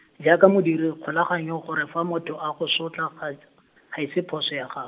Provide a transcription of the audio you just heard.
jaaka modiri kgolaganyo gore fa motho a go sotla ga , ga e se phoso ya ga-.